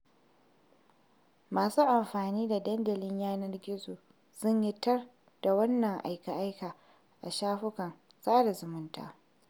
Masu amfani da dandalin yanar gizo sun yi tir da wannan aika-aika a shafukan sada zumunta.